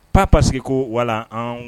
Pa pasigi ko wala an